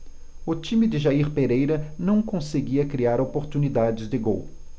o time de jair pereira não conseguia criar oportunidades de gol